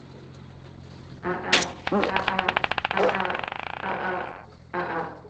“A’a, a’a, a’a, a’a, a’a.